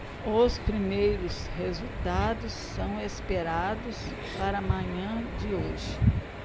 os primeiros resultados são esperados para a manhã de hoje